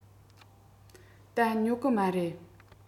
ད ཉོ གི མ རེད